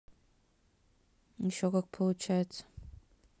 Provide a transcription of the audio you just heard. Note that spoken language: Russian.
еще как получается